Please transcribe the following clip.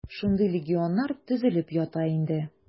Шундый легионнар төзелеп ята инде.